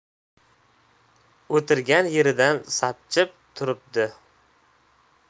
o'tirgan yeridan sapchib turibdi